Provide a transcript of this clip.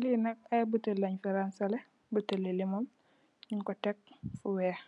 Lii nak ay buteel lenj fi ransale, buteeli limon, nyun ko teg fu weex,